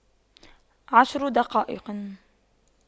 عشر دقائق